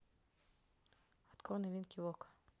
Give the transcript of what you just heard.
открой новинки в окко